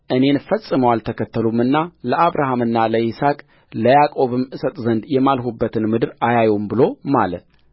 እኔን ፈጽመው አልተከተሉምና ለአብርሃምና ለይስሐቅ ለያዕቆብም እሰጥ ዘንድ የማልሁበትን ምድር አያዩም ብሎ ማለ